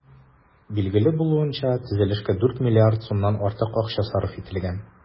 Билгеле булуынча, төзелешкә 4 миллиард сумнан артык акча сарыф ителгән.